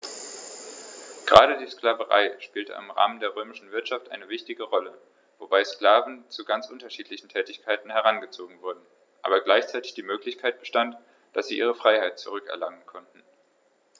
Gerade die Sklaverei spielte im Rahmen der römischen Wirtschaft eine wichtige Rolle, wobei die Sklaven zu ganz unterschiedlichen Tätigkeiten herangezogen wurden, aber gleichzeitig die Möglichkeit bestand, dass sie ihre Freiheit zurück erlangen konnten.